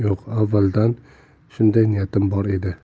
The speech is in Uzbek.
yo'q avvaldan shunday niyatim bor edi